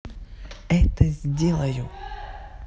это сделаю